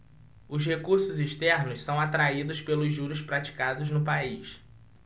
os recursos externos são atraídos pelos juros praticados no país